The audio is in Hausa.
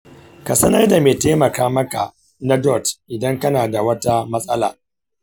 ka sanar da mai taimaka maka na dots idan kana da wata matsala.